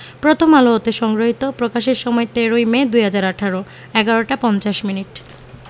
প্রথম আলো হতে সংগৃহীত প্রকাশের সময় ১৩ ই মে ২০১৮ ১১ টা ৫০ মিনিট